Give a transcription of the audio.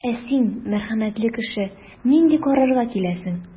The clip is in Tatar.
Ә син, мәрхәмәтле кеше, нинди карарга киләсең?